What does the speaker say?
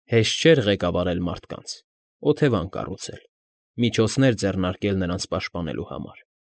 Հեշտ չէր ղեկավարել մարդկանց, օթևան կառուցել, միջոցներ ձեռնարկել նրանց պաշտպանելու համար։